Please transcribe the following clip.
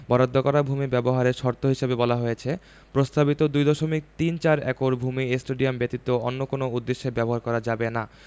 বরাদ্দ করা ভূমি ব্যবহারের শর্ত হিসেবে বলা হয়েছে প্রস্তাবিত ২ দশমিক তিন চার একর ভূমি স্টেডিয়াম ব্যতীত অন্য কোনো উদ্দেশ্যে ব্যবহার করা যাবে না